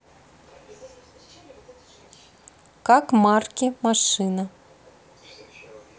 как марки машина